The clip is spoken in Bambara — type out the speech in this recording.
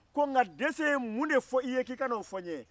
ko nka dese ye mun de fɔ i ye k'i ka na o fɔ ne ye